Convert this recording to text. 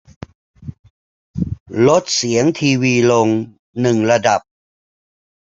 ลดเสียงทีวีลงหนึ่งระดับ